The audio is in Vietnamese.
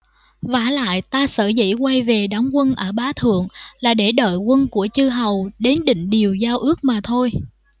vả lại ta sở dĩ quay về đóng quân ở bá thượng là để đợi quân của chư hầu đến định điều giao ước mà thôi